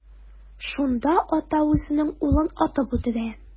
Шунда ата үзенең улын атып үтерә.